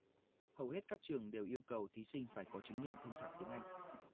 hầu hết các trường đều yêu cầu thí sinh phải có chứng nhận thông thạo tiếng anh